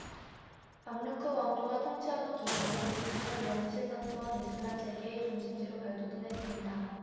맘루크 왕조가 통치하던 기간에 이집트는 명실상부한 이슬람 세계의 중심지로 발돋움했습니다